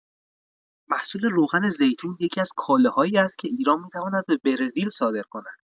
محصول روغن‌زیتون یکی‌از کالاهایی است که ایران می‌تواند به برزیل صادر کند.